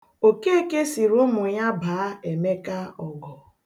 Okeke sịrị ụmụ ya baa Emeka ọgụ.